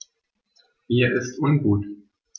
Mir ist ungut.